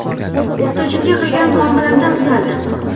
o'qituvchimga qilgan muomalamdan uyaldim